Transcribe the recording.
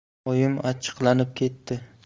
oyim achchiqlanib ketdi